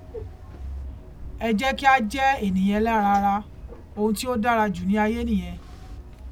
Ẹ jẹ́ kí á jẹ́ ènìyàn ẹlẹ́ran ara, ohun tí ó dára jù ní ayé nìyẹn.